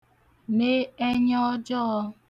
ne ẹnya ọjọọ̄